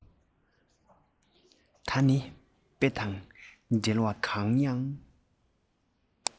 ད ནི དཔེ དང འགྲེལ བ གང ཡང